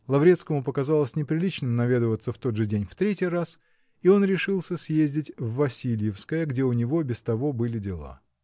Лаврецкому показалось неприличным наведываться в тот же день в третий раз -- и он решился съездить в Васильевское, где у него без того были дела.